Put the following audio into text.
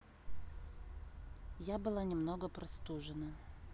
я была немного простужена